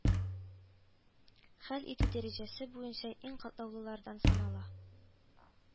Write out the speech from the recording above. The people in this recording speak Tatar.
Хәл итү дәрәҗәсе буенча иң катлаулылардан санала